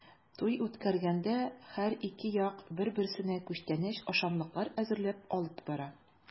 Туй үткәргәндә һәр ике як бер-берсенә күчтәнәч-ашамлыклар әзерләп алып бара.